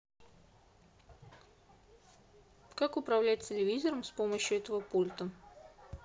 как управлять телевизором с помощью этого пульта